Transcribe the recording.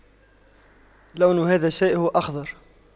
لون هذا الشيء هو أخضر